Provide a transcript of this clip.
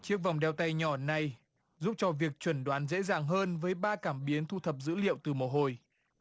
chiếc vòng đeo tay nhỏ này giúp cho việc chẩn đoán dễ dàng hơn với ba cảm biến thu thập dữ liệu từ mồ hôi